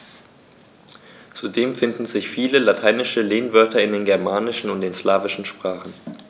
Zudem finden sich viele lateinische Lehnwörter in den germanischen und den slawischen Sprachen.